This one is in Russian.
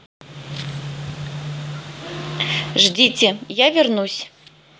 ждите я вернусь